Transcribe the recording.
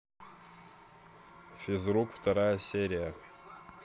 физрук вторая серия